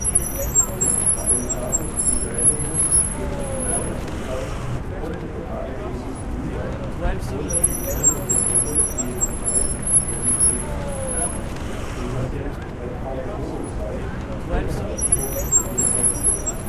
Bei einem Status migraenosus geht ein Migräneanfall unmittelbar in den nächsten über oder die Migränesymptome nehmen nach 72 Stunden nicht ab. Dem Patienten bleibt kaum Erholungszeit und der Leidensdruck ist dementsprechend hoch